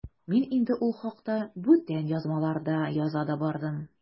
Мин инде ул хакта бүтән язмаларда яза да бардым.